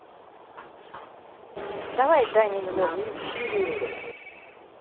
давай даня милохин